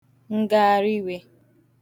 ngaghariiwe